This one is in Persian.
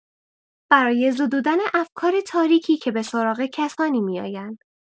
برای زدودن افکار تاریکی که به سراغ کسانی می‌آیند